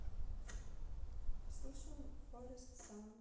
послушаем форест саунд